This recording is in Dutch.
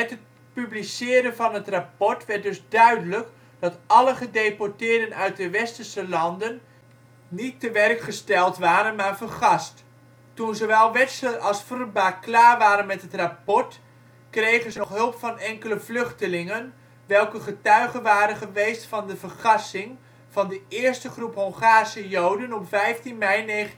het publiceren van het rapport werd dus duidelijk dat alle gedeporteerden uit de westerse landen niet tewerkgesteld waren, maar vergast. Toen zowel Wetzler als Vrba klaar waren met het rapport, kregen ze nog hulp van enkele vluchtelingen, welke getuige waren geweest van de vergassing van de eerste groep Hongaarse Joden op 15 mei 1944